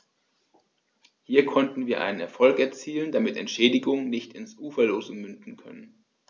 Hier konnten wir einen Erfolg erzielen, damit Entschädigungen nicht ins Uferlose münden können.